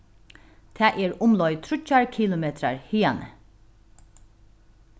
tað er umleið tríggjar kilometrar hiðani